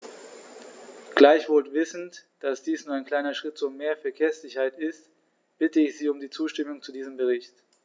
Gleichwohl wissend, dass dies nur ein kleiner Schritt zu mehr Verkehrssicherheit ist, bitte ich Sie um die Zustimmung zu diesem Bericht.